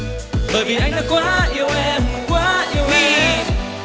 vì anh đã quá yêu em quá yêu em